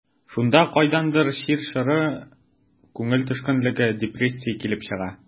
Шунда кайдандыр чир чоры, күңел төшенкелеге, депрессиясе килеп чыга.